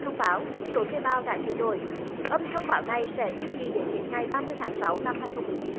thông báo số thuê bao đã chuyển đổi âm thông báo này sẽ duy trì đến hết ngày ba mươi tháng sáu năm hai không mười chín